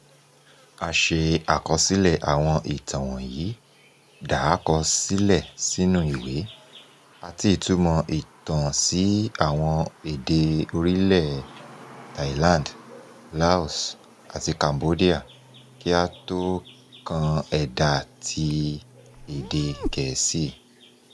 A ṣe àkọsílẹ̀ àwọn ìtàn wọ̀nyí, dà á kọ sílẹ̀ sínú ìwé, àti ìtúmọ̀ ìtàn sí àwọn èdè orílẹ̀ Thailand, Laos, àti Cambodia kí ó tó kan ẹ̀da ti èdè Gẹ̀ẹ́sì.